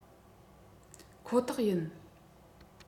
ཁོ ཐག ཡིན